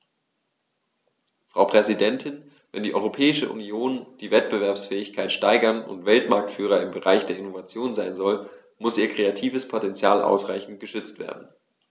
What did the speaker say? Frau Präsidentin, wenn die Europäische Union die Wettbewerbsfähigkeit steigern und Weltmarktführer im Bereich der Innovation sein soll, muss ihr kreatives Potential ausreichend geschützt werden.